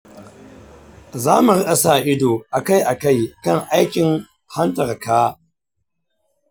za mu rika sa ido akai-akai kan aikin hantarka.